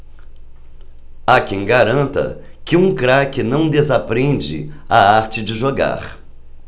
há quem garanta que um craque não desaprende a arte de jogar